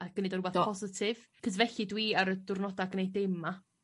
A gneud o rwbath... Do. ...positif. 'C'os felly dwi ar y diwrnoda' gneud dim 'ma,